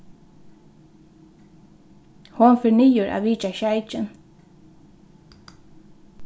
hon fer niður at vitja sjeikin